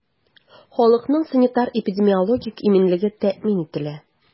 Халыкның санитар-эпидемиологик иминлеге тәэмин ителә.